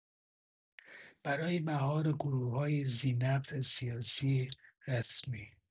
برای مهار گروه‌های ذی‌نفع سیاسی رسمی